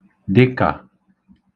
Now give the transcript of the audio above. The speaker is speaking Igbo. dịkà